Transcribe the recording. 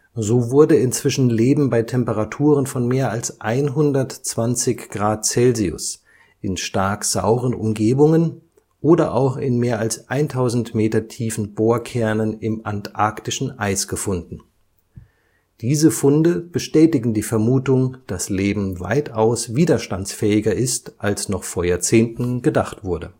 So wurde inzwischen Leben bei Temperaturen von mehr als 120 °C, in stark sauren Umgebungen oder auch in mehr als 1.000 Meter tiefen Bohrkernen im antarktischen Eis gefunden (siehe Wostoksee). Diese Funde bestätigen die Vermutung, dass Leben weitaus widerstandsfähiger ist als noch vor Jahrzehnten gedacht wurde